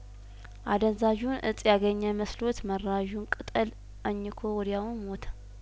አደንዛዡን እጽ ያገኘ መስሎት መራዡ ቅጠል አኝኮ ወዲያው ሞተ